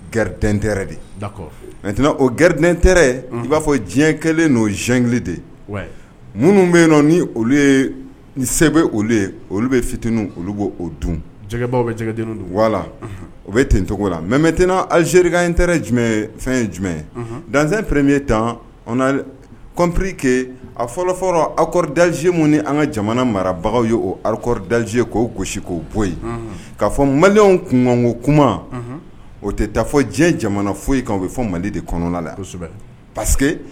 G de mɛt o gariɛn i b'a fɔ diɲɛ kɛlen n'o z de minnu bɛ ni olu ye sɛbɛnbɛ olu ye olu bɛ fitinin olu o dun jɛgɛ bɛ o bɛ tencogo la mɛ mɛten anzerika in jumɛn fɛn jumɛn dan fɛn ye tan kɔnmprike a fɔlɔfɔlɔkɔri dalaz ye minnu an ka jamana marabagaw ye o alirikɔri daze ye k'o gosisi k'o bɔ yen k ka fɔ maliw kungo kuma o tɛ taa fɔ diɲɛ jamana foyi kan bɛ fɔ mali de kɔnɔna la pa